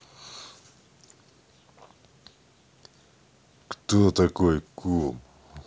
кто такой кум